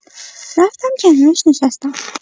رفتم کنارش نشستم.